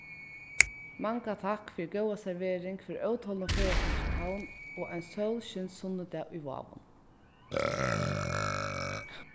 manga takk fyri góða servering fyri ótolnum ferðafólki úr havn og ein sólskinssunnudag í vágum